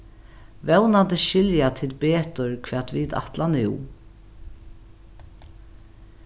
vónandi skilja tit betur hvat vit ætla nú